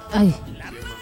Ayi